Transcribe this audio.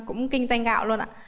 cũng kinh doanh gạo luôn ạ